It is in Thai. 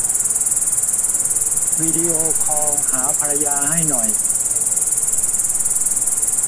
วิดีโอคอลหาภรรยาให้หน่อย